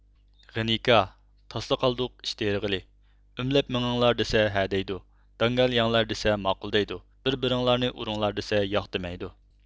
غېنىكا تاسلا قالدۇق ئېش تېرىغىلى ئۆمىلەپ مېڭىڭلار دېسە ھەئە دەيدۇ داڭگال يەڭلار دېسە ماقۇل دەيدۇ بىر بىرىڭلارنى ئۇرۇڭلار دېسە ياق دېمەيدۇ